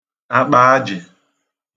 àkpà ajì